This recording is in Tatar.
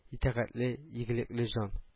Итәгатьле, игелекле җан